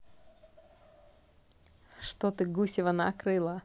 что ты гусева накрыло